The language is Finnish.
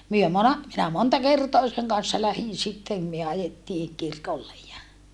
me - minä monta kertaa sen kanssa lähdin sitten me ajettiin kirkolle ja